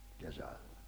kesällä